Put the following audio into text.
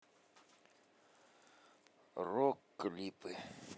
рок клипы